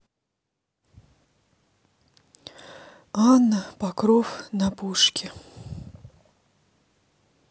ана покров на пушке